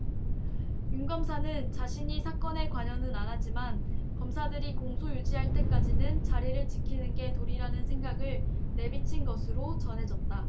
윤 검사는 자신이 사건에 관여는 안하지만 검사들이 공소유지 할 때까지는 자리를 지키는 게 도리라는 생각을 내비친 것으로 전해졌다